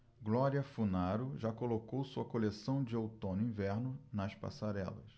glória funaro já colocou sua coleção de outono-inverno nas prateleiras